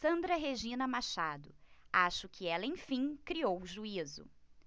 sandra regina machado acho que ela enfim criou juízo